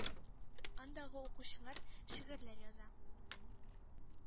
Андагы укучылар шигырьләр яза,